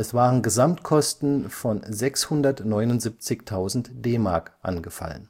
waren Gesamtkosten von 679.000 DM angefallen